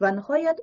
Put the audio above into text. va nihoyat